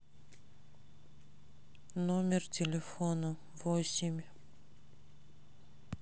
номер телефона восемь